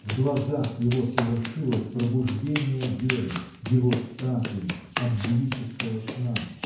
В глазах его совершилось пробуждение Веры, его статуи, от девического сна.